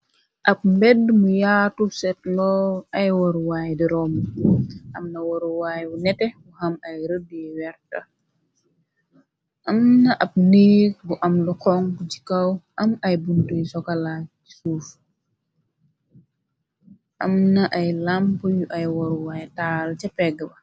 Ahb mbedd mu yaatu, set lol, ay waruwaay di rombu, am na waruwaay bu neteh, bu am ay reddu yi wertah, amna ahb nehgg bu am lu honhu chi kaw, am ayy buntu yu sokalaa ci suuf amna ayy lamp yu ay waruwaay taal chi pehggu ba.